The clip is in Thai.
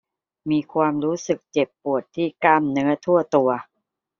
มีความรู้สึกเจ็บปวดที่กล้ามเนื้อทั่วตัว